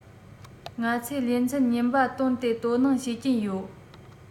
ང ཚོས ལེ ཚན ཉེན པ དོན དེར དོ སྣང བྱེད ཀྱིན ཡོད